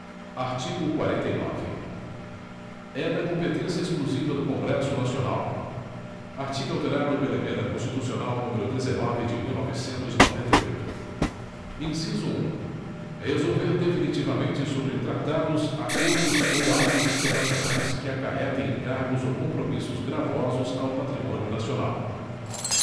artigo quarenta e nove é da competência exclusiva do congresso nacional artigo alterado pela emenda constitucional número dezenove de mil novecentos e noventa e oito inciso um resolver definitivamente sobre tratados acordos ou atos internacionais que acarretem encargos ou compromissos gravosos ao patrimônio nacional